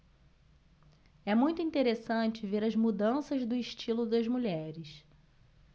é muito interessante ver as mudanças do estilo das mulheres